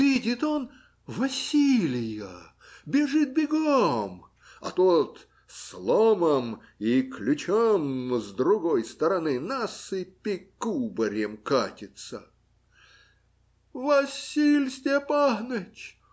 Видит он Василия, бежит бегом, а тот с ломом и ключом с другой стороны насыпи кубарем катится. - Василий Степаныч!